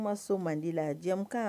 I ma so mandi la jɛ